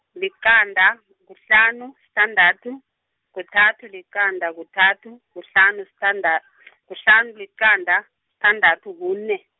liqanda, kuhlanu, sithandathu, kuthathu, liqanda, kuthathu, kuhlanu, sithanda- , kuhlanu, liqanda, sithandathu, kune.